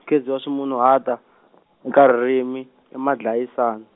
ku khedziwa swimunhuhatwa, eka ririmi, i Madlayisani.